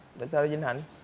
tại sao vinh hạnh